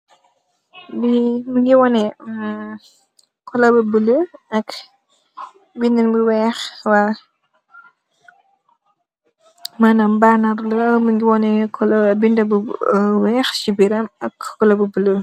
Li mungi waneh colour bu blue ak binduh bu weex waw manam banap la mungi waneh binduh bu weex si birram ak colour bu blue